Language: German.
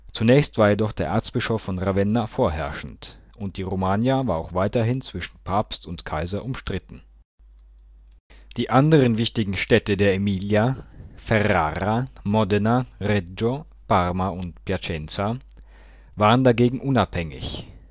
Zunächst war jedoch der Erzbischof von Ravenna vorherrschend, und die Romagna war auch weiterhin zwischen Papst und Kaiser umstritten. Die anderen wichtigen Städte der Emilia – Ferrara, Modena, Reggio, Parma, Piacenza – waren dagegen unabhängig